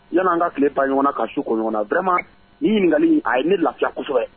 Yan'an ka tile ban ɲɔgɔn na ka su ko ɲɔgɔn na vraiment nin ɲininkali in a ye ne lafiya kosɛbɛ